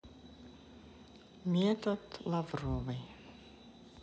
метод лавровой